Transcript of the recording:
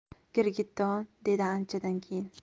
girgitton dedi anchadan keyin